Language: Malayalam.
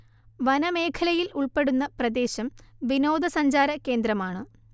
വനമേഖലയിൽ ഉൾപ്പെടുന്ന പ്രദേശം വിനോദസഞ്ചാര കേന്ദ്രമാണ്